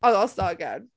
Oh, I'll start again.